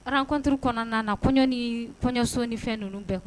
Ranɔnturu kɔnɔna na kɔɲɔsoonin fɛn ninnu bɛɛ